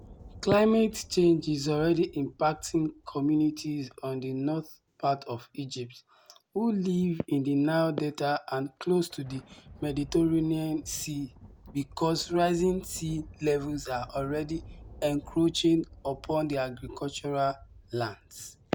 Climate change is already impacting communities on the north part of Egypt, who live in the Nile delta and close to the Mediterranean sea because rising sea levels are already encroaching upon the agricultural lands.